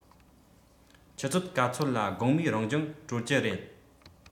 ཆུ ཚོད ག ཚོད ལ དགོང མོའི རང སྦྱོང གྲོལ གྱི རེད